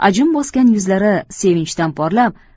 ajin bosgan yuzlari sevinchdan porlab